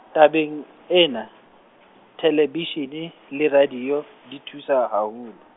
tabeng ena, thelebishine le radio, di thusa haholo.